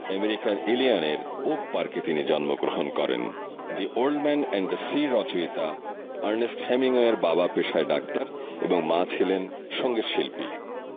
আমেরিকার ই লিওনের ওক পার্কে তিনি জন্মগ্রহণ করেন the old man and the সির রচয়িতা আর্নেস্ট হেমিংওয়ে বাবা পেশায় ডাক্তার এবং মা ছিলেন সংগীত শিল্পী